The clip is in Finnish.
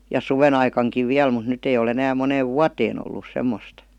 ja suvenaikaankin vielä mutta nyt ei ole enää moneen vuoteen ollut semmoista